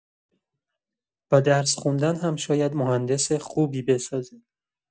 و درس خوندن هم شاید مهندس خوبی بسازه.